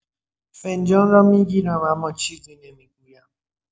فنجان را می‌گیرم، اما چیزی نمی‌گویم.